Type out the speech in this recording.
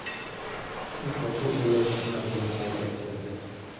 shu qo'rquv uni shaharga haydab keldi